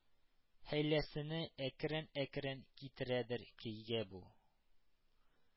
Хәйләсене әкрен-әкрен китерәдер көйгә бу.